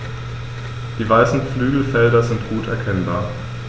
Die weißen Flügelfelder sind gut erkennbar.